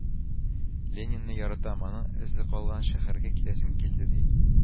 Ленинны яратам, аның эзе калган шәһәргә киләсем килде ди